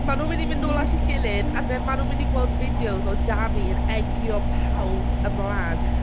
Ma' nhw'n mynd i mynd nôl at ei gilydd, and then ma' nhw'n mynd i gweld fideos o Dami yn egio pawb ymlaen.